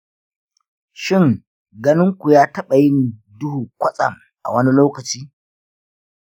shin, ganin ku ya taɓa yin duhu kwatsam a wani lokaci?